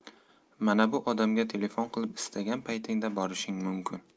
mana bu odamga telefon qilib istagan paytingda borishing mumkin